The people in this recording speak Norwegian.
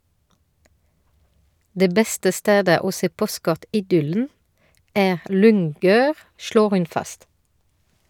- Det beste stedet å se postkort-idyllen, er Lyngør, slår hun fast.